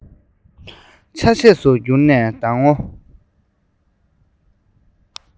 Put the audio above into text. ཆ ཤས སུ གྱུར ནས ཟླ ངོ